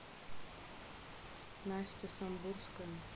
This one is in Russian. настя самбурская